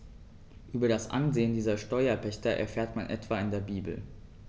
Über das Ansehen dieser Steuerpächter erfährt man etwa in der Bibel.